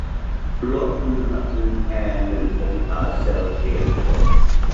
ลดอุณหภูมิแอร์หนึ่งองศาเซลเซียส